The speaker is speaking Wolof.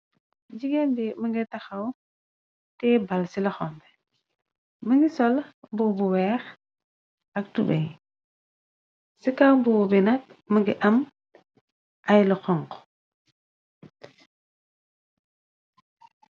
Jigéen bi më ngay taxaw tee bal ci la xombe më ngi sol bo bu weex ak tube ci kaw mbobu bina mëngi am ay lu xonxo.